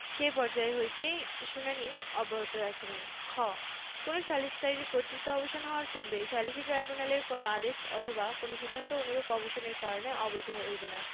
সেই পর্যায় হইতে শুনানী অব্যাহত রাখিবেন খ কোন সালিসকারীর কর্তৃত্ব অবসান হওয়ার পূর্বে সালিসী ট্রাইব্যুনালের কোন আদেশ অথবা কোন সিদ্ধান্ত অনুরূপ অবসানের কারণে অবৈধ হইবে না